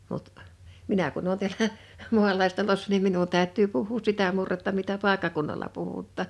mutta minä kun olen täällä maalaistalossa niin minun täytyy puhua sitä murretta mitä paikkakunnalla puhutaan